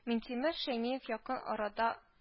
Минтимер Шәймиев, якын арада